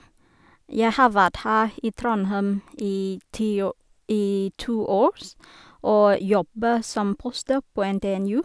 Jeg har vært her i Trondheim i tiå i to år, og jobber som postdoc på NTNU.